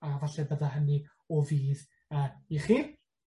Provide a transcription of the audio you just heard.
A falle bydda hynny o fydd yy i chi.